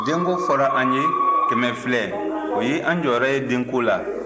denko fɔra an ye kɛmɛ filɛ o ye an jɔyɔrɔ ye denko la